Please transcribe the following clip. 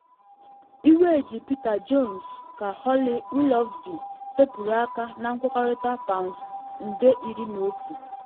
‘Iwe’ ji Peter Jones ka Holly Willoughby sepụrụ aka na nkwekọrịta £11million